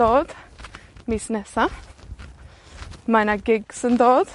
dod mis nesa. Mae 'na gigs yn dod.